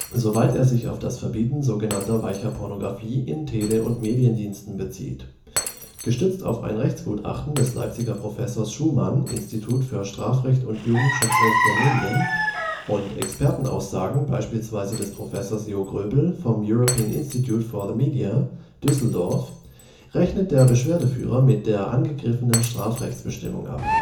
soweit er sich auf das Verbreiten so genannter weicher Pornografie in Tele - und Mediendiensten bezieht. Gestützt auf ein Rechtsgutachten des Leipziger Professors Schumann (Institut für Strafrecht und Jugendschutzrecht der Medien) und Expertenaussagen beispielsweise des Professors Jo Groebel vom European Institute for the Media, Düsseldorf, rechnet der Beschwerdeführer mit der angegriffenen Strafrechtsbestimmung ab